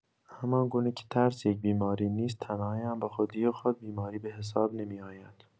همان‌گونه که ترس یک بیماری نیست، تنهایی هم به‌خودی‌خود بیماری به‌حساب نمی‌آید.